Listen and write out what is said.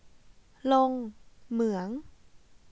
ลงเหมือง